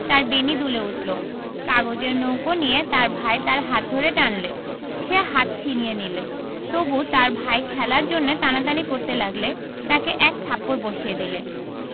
তার বেণী দুলে উঠল কাগজের নৌকো নিয়ে তার ভাই তার হাত ধরে টানলে সে হাত ছিনিয়ে নিলে তবু তার ভাই খেলার জন্যে টানাটানি করতে লাগলে তাকে এক থাপ্পড় বসিয়ে দিলে